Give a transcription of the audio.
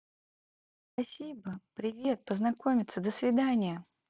спасибо привет познакомится досвидания